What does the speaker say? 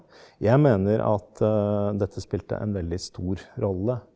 jeg mener at dette spilte en veldig stor rolle.